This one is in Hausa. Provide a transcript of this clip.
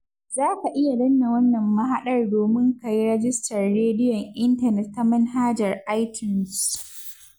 Za ka iya danna wannan mahaɗar domin ka yi rijistar rediyon intanet ta manhajar iTunes.